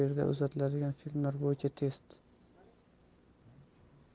yangi yilda efirga uzatiladigan filmlar bo'yicha test